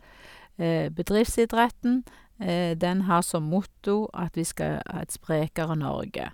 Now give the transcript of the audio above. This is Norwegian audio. Bedriftsidretten, den har som motto at vi skal ha et sprekere Norge.